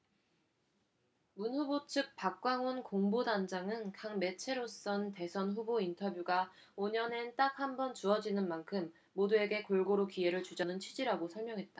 문 후보 측 박광온 공보단장은 각 매체로선 대선 후보 인터뷰가 오 년에 딱 한 번 주어지는 만큼 모두에게 골고루 기회를 주자는 취지라고 설명했다